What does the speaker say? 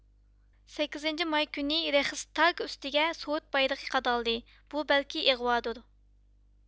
سەككىزىنچى ماي كۈنى رېخىستاگ ئۈستىگە سوۋېت بايرىقى قادالدى بۇ بەلكى ئىغۋادۇر